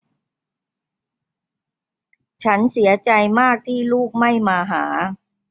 ฉันเสียใจมากที่ลูกไม่มาหา